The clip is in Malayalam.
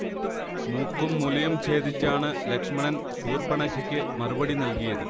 മൂക്കും മുലയും ച്ഛേദിച്ചാണ് ലക്ഷ്മണൻ ശൂർപണഖയ്ക്ക് മറുപടി നൽകിയത്